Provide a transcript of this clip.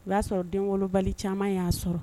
I b'a sɔrɔ denolobali caman y'a sɔrɔ